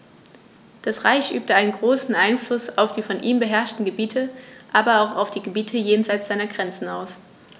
Das Reich übte einen großen Einfluss auf die von ihm beherrschten Gebiete, aber auch auf die Gebiete jenseits seiner Grenzen aus.